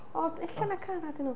Ond ella na Cara ydyn nhw.